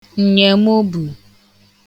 ǹnyemobù